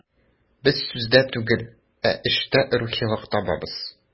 Без сүздә түгел, ә эштә рухилык табабыз.